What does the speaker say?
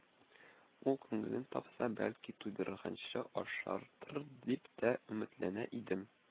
Ул, күңелен тапсам, бәлки туйдырганчы ашатыр дип тә өметләнә иде